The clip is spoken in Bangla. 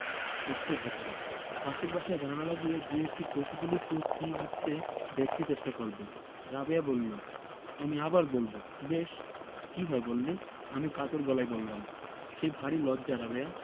উঠতে থাকবে পাশের বাসার জানালা দিয়ে দুএকটি কৌতুহলী চোখ কি হচ্ছে দেখতে চেষ্টা করবে রাবেয়া বললো আমি আবার বলবো বেশ কি হয় বললে আমি কাতর গলায় বললাম সে ভারী লজ্জা রাবেয়া